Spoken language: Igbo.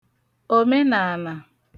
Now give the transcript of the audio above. òmenàànà